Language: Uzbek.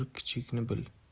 bir kichikni bil